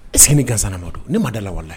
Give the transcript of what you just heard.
Sini ganzsanana ma don ne ma dala lawale